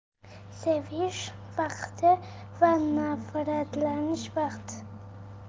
sevish vaqti va nafratlanish vaqti